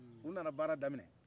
u nana baara daminɛ